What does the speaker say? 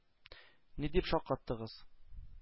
-ни дип шаккаттыгыз.